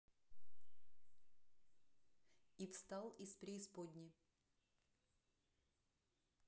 и встал из преисподни